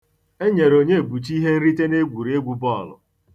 E nyere Onyebuchi ihenrite n'egwuregwu bọọlụ.